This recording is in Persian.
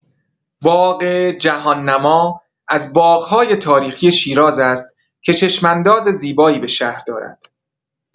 باغ جهان‌نما از باغ‌های تاریخی شیراز است که چشم‌انداز زیبایی به شهر دارد.